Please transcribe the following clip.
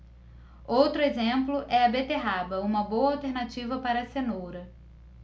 outro exemplo é a beterraba uma boa alternativa para a cenoura